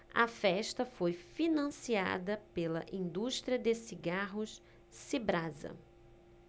a festa foi financiada pela indústria de cigarros cibrasa